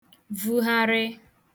vuharị